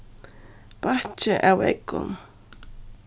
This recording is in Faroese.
bakki av eggum